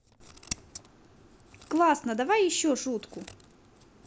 классно давай еще шутку